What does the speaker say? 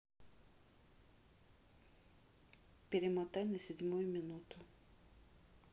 перемотай на седьмую минуту